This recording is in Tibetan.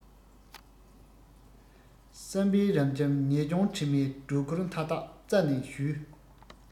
བསམ པས རབ འབྱམས ཉེས སྐྱོན དྲི མའི སྒྲོ སྐུར མཐའ དག རྩད ནས བཞུས